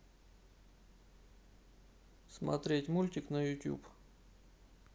смотреть мультик на ютуб